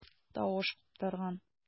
Тавыш куптарган.